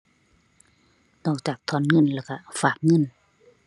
นอกจากถอนเงินแล้วก็ฝากเงิน